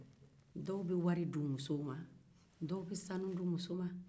dɔw be wari di u musow ma dɔw bɛ sanu di u musow ma